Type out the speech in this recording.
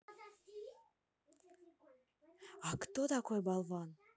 а кто такой болван